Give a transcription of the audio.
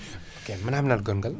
ok mo namdal gongal